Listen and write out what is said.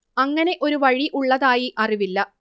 അങ്ങനെ ഒരു വഴി ഉള്ളതായി അറിവില്ല